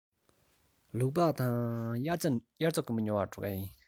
ལུག པགས དང དབྱར རྩྭ དགུན འབུ ཉོ བར འགྲོ གི ཡིན